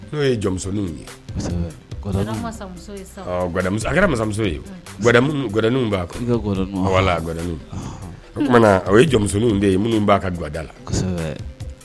N'o ye jɔn ye a kɛra masamuso gɛinw b'a gɛ o o ye jɔn de ye minnu b'a ka gawada la